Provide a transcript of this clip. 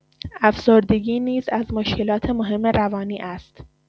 افسردگی نیز از مشکلات مهم روانی است.